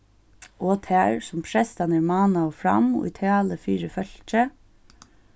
og tær sum prestarnir mánaðu fram í talu fyri fólkið